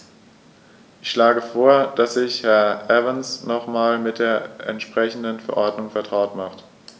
Ich schlage vor, dass sich Herr Evans nochmals mit der entsprechenden Verordnung vertraut macht.